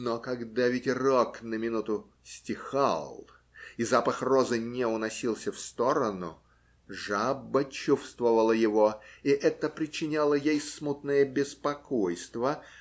Но когда ветерок на минуту стихал и запах розы не уносился в сторону, жаба чувствовала его, и это причиняло ей смутное беспокойство